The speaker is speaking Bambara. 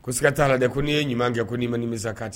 Ko sika t'a la dɛ ko n' ye ɲuman kɛ ko' ma nimisa'a ten